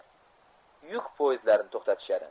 yuk poezdlarini to'xtatishadi